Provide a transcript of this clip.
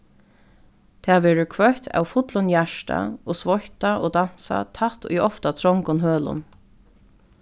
tað verður kvøtt av fullum hjarta og sveittað og dansað tætt í ofta trongum hølum